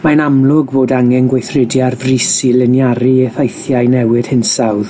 Mae'n amlwg fod angen gweithredu ar frys i liniaru effeithiau newid hinsawdd